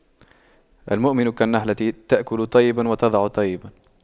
المؤمن كالنحلة تأكل طيبا وتضع طيبا